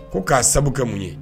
Ko k'a sababu kɛ mun ye